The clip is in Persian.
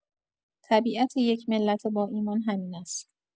طبیعت یک ملت با ایمان همین است!